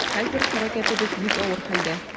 Хәзер хәрәкәтебез бик авыр хәлдә.